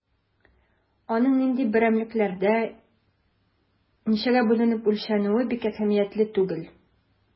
Аның нинди берәмлекләрдә, ничәгә бүленеп үлчәнүе бик әһәмиятле түгел.